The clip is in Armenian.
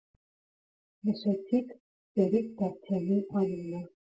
Նշեցիք Սերիկ Դավթյանի անունը.